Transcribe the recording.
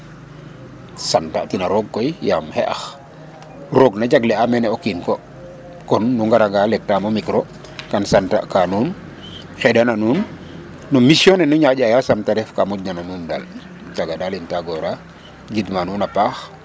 Sante'atina roog koy yaam xaƴa roog na jagle'aa mene o kiin ko kon nu ngaranga letnaam o micro kan santeka nuun xeɗana nuun no mission ne nu ñaaƴaa yaasam te ref ka moƴna nuun daal kaaga daal in tagoora gidma nuun a paax.